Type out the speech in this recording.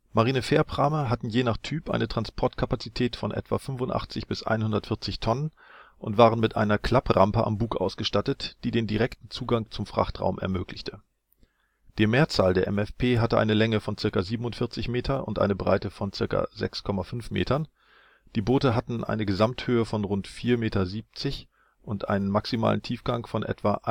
Marinefährprahme hatten je nach Typ eine Transportkapazität von etwa 85 bis 140 t und waren mit einer Klapprampe am Bug ausgestattet, die den direkten Zugang zum Frachtraum ermöglichte. Die Mehrzahl der MFP hatte eine Länge von ca. 47 m und eine Breite von ca. 6,5 m. Die Boote hatten eine Gesamthöhe von rund 4,7 m und einen maximalen Tiefgang von etwa